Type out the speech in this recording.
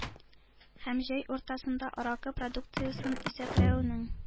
Һәм җәй уртасында аракы продукциясен исәпләүнең